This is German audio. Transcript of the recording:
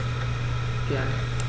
Gern.